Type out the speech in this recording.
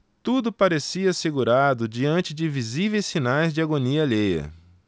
tudo parecia assegurado diante de visíveis sinais de agonia alheia